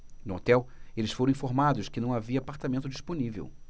no hotel eles foram informados que não havia apartamento disponível